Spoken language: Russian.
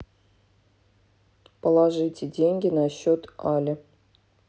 положите деньги на счет алле